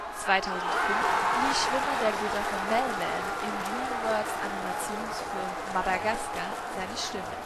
2005 lieh Schwimmer der Giraffe Melman im Dreamworks-Animationsfilm Madagascar seine Stimme